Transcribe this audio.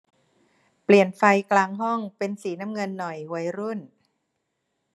เปลี่ยนไฟกลางห้องเป็นสีน้ำเงินหน่อยวัยรุ่น